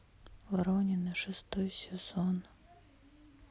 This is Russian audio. воронины шестой сезон